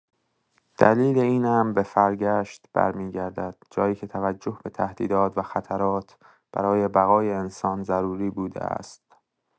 دلیل این امر به فرگشت برمی‌گردد، جایی که توجه به تهدیدات و خطرات برای بقای انسان ضروری بوده است.